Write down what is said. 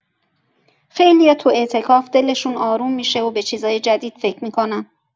خیلیا تو اعتکاف دلشون آروم می‌شه و به چیزای جدید فکر می‌کنن.